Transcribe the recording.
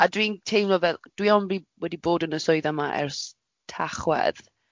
A dwi'n teimlo fel dwi ond wedi bod yn y swydd yma ers Tachwedd.